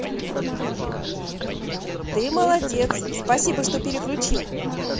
ты молодец спасибо что переключил